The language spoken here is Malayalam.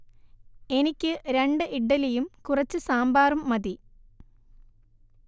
എനിക്ക് രണ്ട് ഇഡ്ഢലിയും കുറച്ച് സാമ്പാറും മതി